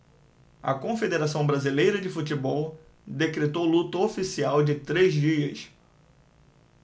a confederação brasileira de futebol decretou luto oficial de três dias